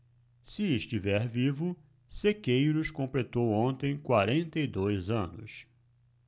se estiver vivo sequeiros completou ontem quarenta e dois anos